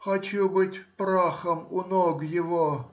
хочу быть прахом у ног его.